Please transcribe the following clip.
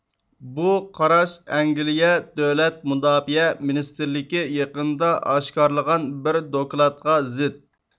بۇ قاراش ئەنگلىيە دۆلەت مۇداپىئە مىنىستىرلىكى يېقىندا ئاشكارىلىغان بىر دوكلاتقا زىت